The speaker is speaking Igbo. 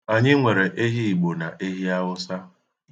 Anyị nwere ehi Igbo na ehi Awụsa.